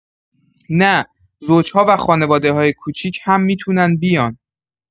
نه، زوج‌ها و خانواده‌های کوچیک هم می‌تونن بیان.